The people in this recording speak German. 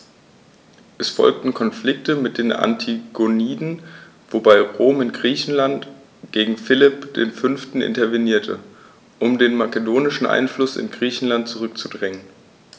Es folgten Konflikte mit den Antigoniden, wobei Rom in Griechenland gegen Philipp V. intervenierte, um den makedonischen Einfluss in Griechenland zurückzudrängen.